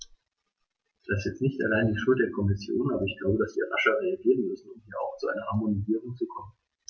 Das ist jetzt nicht allein die Schuld der Kommission, aber ich glaube, dass wir rascher reagieren müssen, um hier auch zu einer Harmonisierung zu kommen.